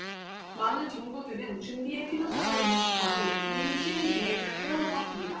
많은 정부들은 준비의 필요성을 인식하고 이미 실행 계획을 세워 놓았습니다